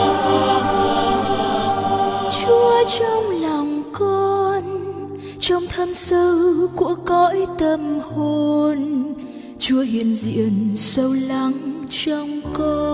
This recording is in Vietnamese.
chúa trong lòng con trong thâm sâu của cõi tâm hồn chúa hiện diện sâu lắng trong con